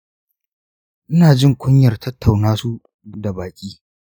ina jin kunyar tattauna su da baƙi.